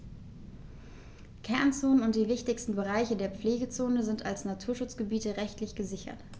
Kernzonen und die wichtigsten Bereiche der Pflegezone sind als Naturschutzgebiete rechtlich gesichert.